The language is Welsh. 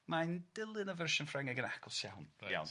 mae'n dilyn y fersiwn Ffrangeg yn agos iawn... Iawn...